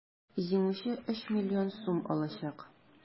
Җиңүче 3 млн сум алачак.